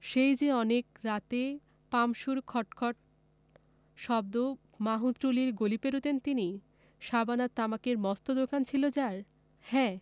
সেই যে অনেক রাতে পাম্পসুর খট খট শব্দ মাহুতটুলির গলি পেরুতেন তিনি সাবান আর তামাকের মস্ত দোকান ছিল যার হ্যাঁ